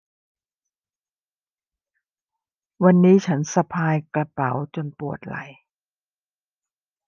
วันนี้ฉันสะพายกระเป๋าจนปวดไหล่